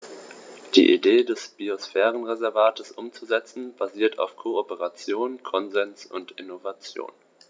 Die Idee des Biosphärenreservates umzusetzen, basiert auf Kooperation, Konsens und Innovation.